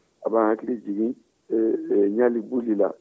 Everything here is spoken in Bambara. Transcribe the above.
a bɛ an hakili jigin ɲali buli la